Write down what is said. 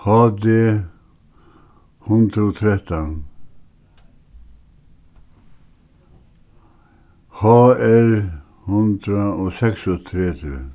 h d hundrað og trettan h r hundrað og seksogtretivu